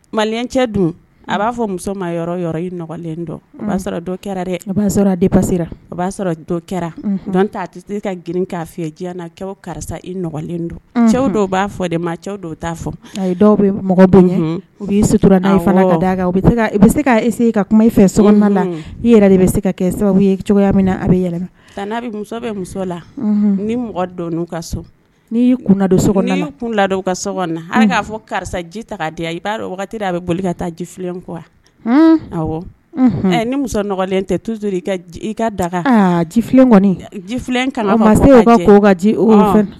Malencɛ dun a b'a fɔ muso ma yɔrɔ yɔrɔ ilen don o b'a sɔrɔ kɛra dɛ b'a sɔrɔ a ba o'a sɔrɔ kɛra dɔn ta se ka grin k'a fɛ ji na karisa ilen don cɛw b'a fɔ de ma cɛw dɔ t' fɔ a dɔw bɛ mɔgɔ u'i sutura kan bɛ sese ka kuma e fɛ na i yɛrɛ de bɛ se ka sababu ye cogoya min na a bɛ yɛlɛ n'a bɛ muso bɛ muso la ni mɔgɔ dɔn ka so ni kun don so kun la ka so na ale k'a fɔ karisa ji ta' di i b'a wagati a bɛ boli ka taa jifilen kɔ ni musolen tɛ tu i ka daga jifi jifi se ji k ka ji